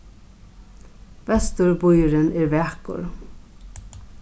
vesturbýurin er vakur